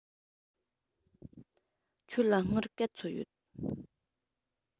ཁྱོད ལ དངུལ ག ཚོད ཡོད